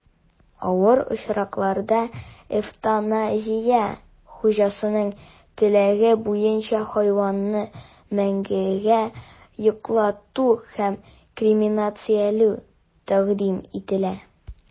Авыр очракларда эвтаназия (хуҗасының теләге буенча хайванны мәңгегә йоклату һәм кремацияләү) тәкъдим ителә.